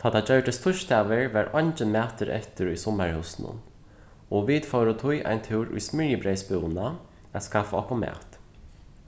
tá tað gjørdist týsdagur var eingin matur eftir í summarhúsinum og vit fóru tí ein túr í smyrjibreyðsbúðina at skaffa okkum mat